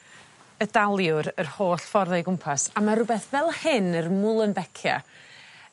y daliwr yr holl ffordd o'i gwmpas a ma' rwbeth fel hyn yr muehlenbeckia